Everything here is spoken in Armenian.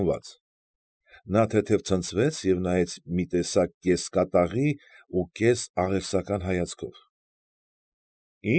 Գնված։ Նա թեթև ցնցվեց և նայեց ինձ մի տեսակ կես֊կատաղի ու կես֊աղերսական հայացքով։ ֊